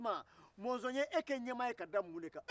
o tuma mɔzɔn ye e kɛ ɲɛmaa ye ka da mun kan